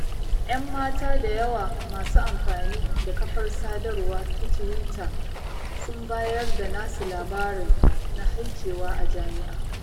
Yan mata da yawa masu amfani da kafar sadarwa ta tuwita sun bayar da nasu labarin na haikewa a jami'a.